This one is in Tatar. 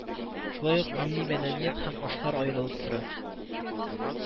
Шулай ук милли мәдәният һәм ашлар аерылып тора